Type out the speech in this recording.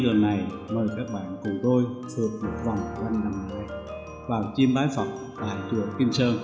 trong chuyến đi lần này mời các bạn cùng tôi phượt một vòng quanh đầm nại vào chiêm bái phật tại chùa kim sơn